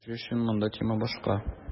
Сөйләшү өчен монда тема башка.